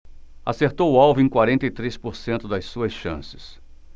acertou o alvo em quarenta e três por cento das suas chances